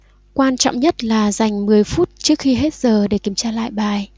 quan trọng nhất là dành mười phút trước khi hết giờ để kiểm tra lại bài